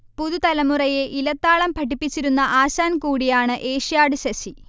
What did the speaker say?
പുതുതലമുറയെ ഇലത്താളം പഠിപ്പിച്ചിരുന്ന ആശാൻ കൂടിയാണ് ഏഷ്യാഡ് ശശി